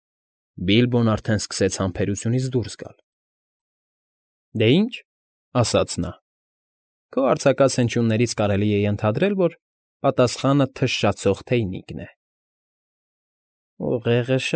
Բիլբոն արդեն սկսեց համբերությունից դուրս գալ։ ֊ Դե ինչ,֊ ասաց նա։֊ Քո արձակած հնչյուններից կարելի է ենթադրել, որ պատասխանը «թշշացող թեյնիկն է»։ ֊ Ուղեղը։